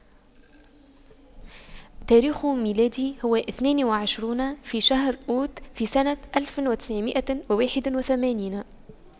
تاريخ ميلادي هو اثنان وعشرون في شهر أوت في سنة ألف وتسعمئة وواحد وثمانين